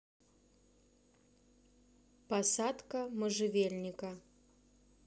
посадка можжевельника